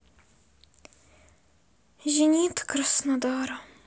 зенит краснодар